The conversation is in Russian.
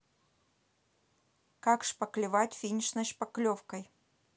как шпаклевать финишной шпаклевкой